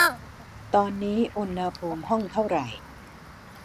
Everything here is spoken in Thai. ตอนนี้อุณหภูมิห้องเท่าไหร่